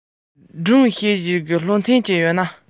གེ སར སྒྲུང ལ བལྟས བསྡད ཀྱི ཡོད པ རེད